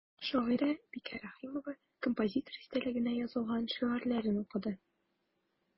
Шагыйрә Бикә Рәхимова композитор истәлегенә язылган шигырьләрен укыды.